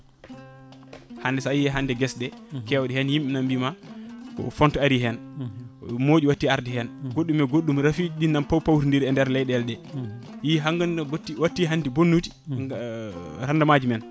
hande sa yeehi hande guese ɗe kewɗe hen yimɓe nana mbima ko fonto aari hen mooƴu watti arde hen goɗɗum e goɗɗum rafiji ɗi nana pawpawtodira e nder leyɗele ɗe yeeyi ha ganduɗa watti hanti bonnude rendement ji men